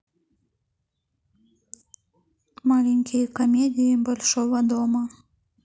маленькие комедии большого дома